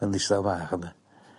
yn ddistaw fach o be'.